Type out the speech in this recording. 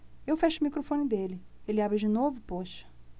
eu fecho o microfone dele ele abre de novo poxa